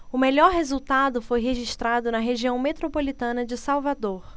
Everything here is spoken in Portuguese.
o melhor resultado foi registrado na região metropolitana de salvador